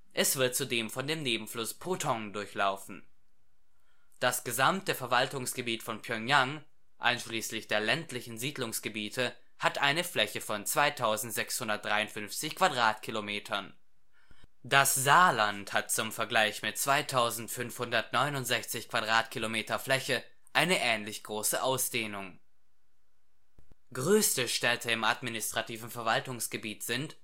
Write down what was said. Es wird zudem von dem Nebenfluss Pothong durchlaufen. Das gesamte Verwaltungsgebiet von Pjöngjang, einschließlich der ländlichen Siedlungsgebiete, hat eine Fläche von 2.653 Quadratkilometer. Das Saarland hat zum Vergleich mit 2.569 Quadratkilometer Fläche eine ähnlich große Ausdehnung. Größte Städte im administrativen Verwaltungsgebiet sind